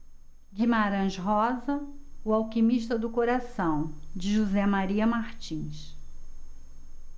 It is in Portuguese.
guimarães rosa o alquimista do coração de josé maria martins